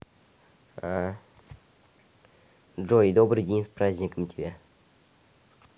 джой добрый день с праздником тебя